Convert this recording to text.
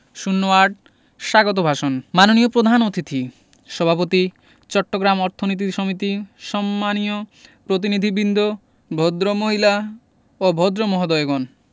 ০৮ স্বাগত ভাষণ মাননীয় প্রধান অতিথি সভাপতি চট্টগ্রাম অর্থনীতি সমিতি সম্মানীয় প্রতিনিধিবৃন্দ ভদ্রমহিলা ও ভদ্রমহোদয়গণ